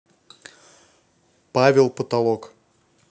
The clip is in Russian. павел потолок